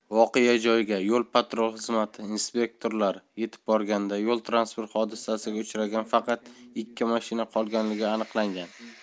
voqea joyiga yol patrul xizmati inspektorlari yetib borganda yol transport hodisasiga uchragan faqat ikki mashina qolganligi aniqlangan